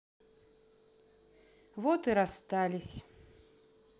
вот и расстались